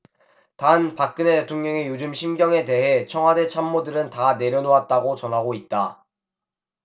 단박근혜 대통령의 요즘 심경에 대해 청와대 참모들은 다 내려놓았다고 전하고 있다